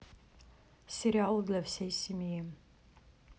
сериалы для всей семьи